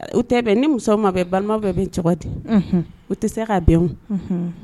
U tɛ ni muso ma balima bɛ bɛ tɛ u tɛ se ka bɛn